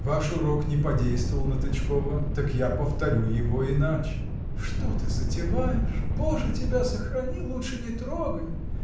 — Ваш урок не подействовал на Тычкова, так я повторю его иначе. — Что ты затеваешь? Боже тебя сохрани! Лучше не трогай!